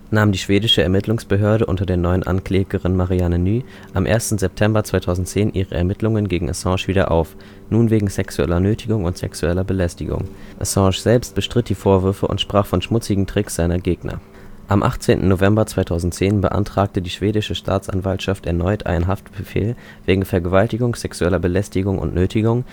nahm die schwedische Ermittlungsbehörde – unter der neuen Anklägerin Marianne Ny – am 1. September 2010 ihre Ermittlungen gegen Assange wieder auf, nun wegen „ sexueller Nötigung und sexueller Belästigung “. Assange selbst bestritt die Vorwürfe und sprach von „ schmutzigen Tricks “seiner Gegner. Am 18. November 2010 beantragte die schwedische Staatsanwaltschaft erneut einen Haftbefehl wegen Vergewaltigung, sexueller Belästigung und Nötigung